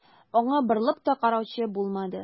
Аңа борылып та караучы булмады.